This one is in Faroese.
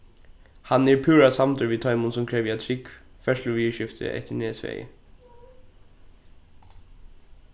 hann er púra samdur við teimum sum krevja trygg ferðsluviðurskifti eftir nesvegi